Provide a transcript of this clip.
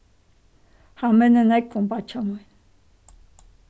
hann minnir nógv um beiggja mín